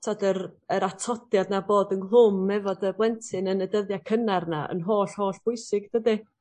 t'od yr yr atodiad 'na bod ynghlwm efo dy blentyn yn y dyddia' cynnar 'na yn holl hollbwysig dydi?